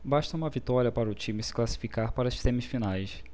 basta uma vitória para o time se classificar para as semifinais